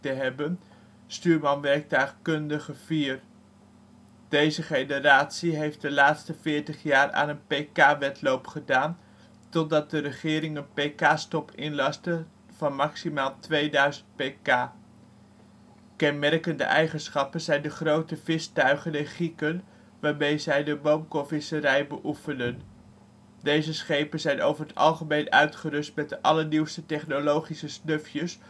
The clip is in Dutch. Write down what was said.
hebben (Stuurman-Werktuigkundige IV). Deze generatie heeft de laatste veertig jaar aan een PK-wedloop gedaan, totdat de regering een PK-stop inlaste van max. 2000 PK. Kenmerkende eigenschappen zijn de grote vistuigen en gieken waarmee zij de boomkorvisserij beoefenen. Deze schepen zijn over het algemeen uitgerust met de allernieuwste technologische snufjes